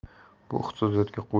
bu iqtisodiyotga qo'shimcha